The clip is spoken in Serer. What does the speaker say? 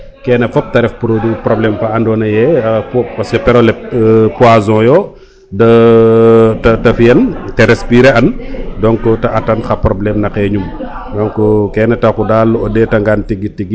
kene fop te ref produit probleme fa ando naye poison yo de te fiyan te expirer an donc te atan xa probleme na xeñum donc kene taxu dal o ndeta ngan tigi tigi